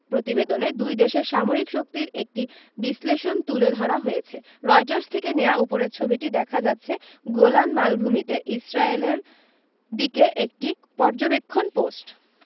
প্রতিবেদনে দুই দেশের সামরিক শক্তির একটি বিশ্লেষণ তুলে ধরা হয়েছে রয়টার্স থেকে নেয়া উপরের ছবিটিতে দেখা যাচ্ছে গোলান মালভূমিতে ইসরায়েলের দিকের একটি পর্যবেক্ষণ পোস্ট